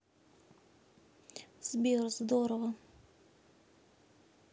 сбер здорово